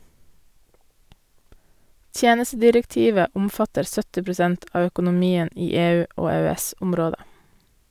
- Tjenestedirektivet omfatter 70 prosent av økonomien i EU og EØS-området.